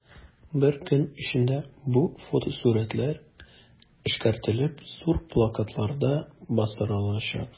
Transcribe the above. Бер көн эчендә бу фотосурәтләр эшкәртелеп, зур плакатларда бастырылачак.